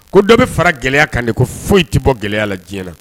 Ko dɔ bɛ fara gɛlɛya kan de ko foyi tɛ bɔ gɛlɛya la diɲɛɲɛna